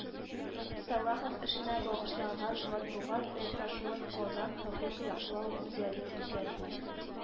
Сәлахов эшенә багышланган матубгат очрашуын Казан хокук яклау үзәге үткәрде